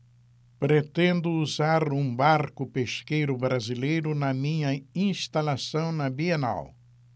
pretendo usar um barco pesqueiro brasileiro na minha instalação na bienal